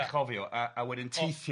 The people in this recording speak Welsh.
a'i chofio a a wedyn teithio.